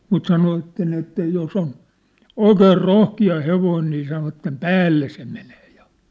mutta sanovat että jos on oikein rohkea hevonen niin sanovat päälle se menee se